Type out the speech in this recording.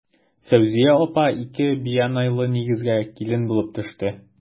Фәүзия апа ике бианайлы нигезгә килен булып төшә.